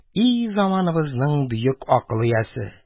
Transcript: И заманыбызның бөек акыл иясе!